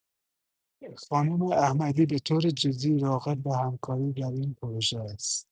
خانم احمدی به‌طور جدی راغب به همکاری در این پروژه است.